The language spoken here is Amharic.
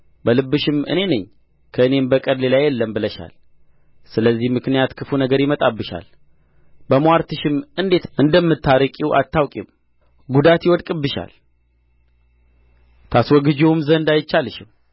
በልብሽም እኔ ነኝ ከእኔም በቀር ሌላ የለም ብለሻል ስለዚህ ምክንያት ክፉ ነገር ይመጣብሻል በምዋርትሽም እንዴት እንደምታርቂው አታውቂም ጉዳት ይውድቅብሻል ታስወግጅውም ዘንድ አይቻልሽም